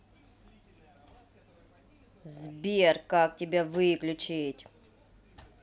сбер как тебя выключить